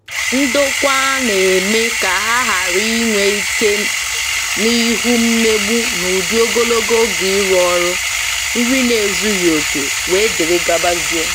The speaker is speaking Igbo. Ndokwa a na-eme ka ha ghara inwe íké n'ihu mmegbu n'ụdị ogologo oge ịrụ ọrụ, nri na-ezughị oke, wdgz.